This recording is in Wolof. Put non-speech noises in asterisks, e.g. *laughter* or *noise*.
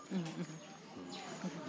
*hesitation* *hesitation*